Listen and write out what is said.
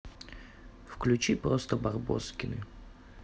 включи просто барбоскины